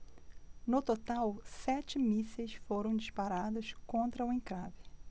no total sete mísseis foram disparados contra o encrave